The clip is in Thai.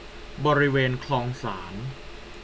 บริเวณคลองสาร